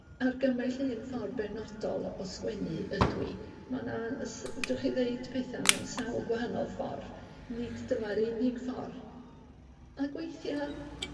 argymell un ffordd benodol o sgwennu ydw i ma' 'na s- fedrwch chi ddeud petha mewn sawl gwahanol ffor nid dyma'r unig ffor, ac weithia'